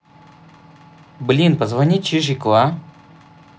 блин позвони чижику а